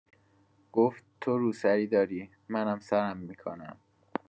گفت تو روسری داری، منم سرم می‌کنم.